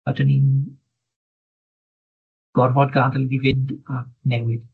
Ydyn ni'n gorfod gad'el iddi fynd a newid?